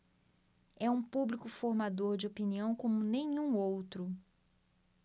é um público formador de opinião como nenhum outro